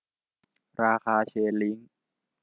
ราคาเชนลิ้ง